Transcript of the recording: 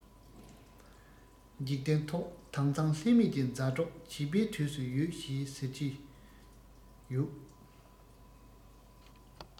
འཇིག རྟེན ཐོག དྭངས གཙང ལྷད མེད ཀྱི མཛའ གྲོགས བྱིས པའི དུས སུ ཡོད ཞེས ཟེར གྱིན ཡོད